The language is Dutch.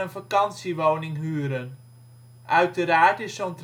vakantiewoning huren. Uiteraard is zo